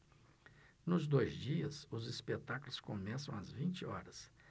nos dois dias os espetáculos começam às vinte horas